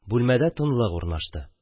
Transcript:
Бүлмәдә тынлык урнашты